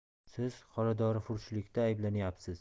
siz qoradorifurushlikda ayblanyapsiz